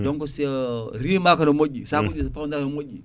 donc si rimaka no moƴƴi sackuji so pawodiraka no moƴƴi